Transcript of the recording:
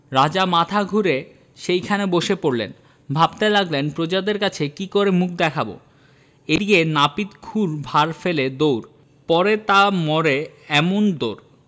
রাজা মাথা ঘুরে সেইখানে বসে পড়লেন ভাবতে লাগলেন প্রজাদের কাছে কী করে মুখ দেখাব এদিকে নাপিত ক্ষুর ভাঁড় ফেলে দৌড় পড়ে তা মরে এমন দৌড়